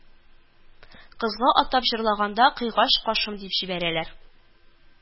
Кызга атап җырлаганда кыйгач кашым дип җибәрәләр